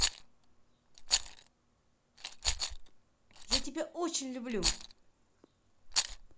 я тебя очень люблю